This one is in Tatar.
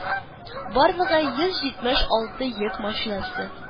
Барлыгы йөз җитмеш алты йөк машинасы